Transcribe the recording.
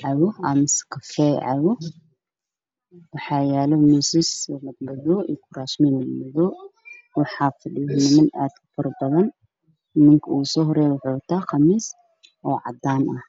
cabo ama kafay waxaa yaalo kuraasman iyo miisas wada madow, waxaa fadhiyo niman aad u faro badan ninka ugu soo horeeyo waxuu wataa qamiis cadaan ah.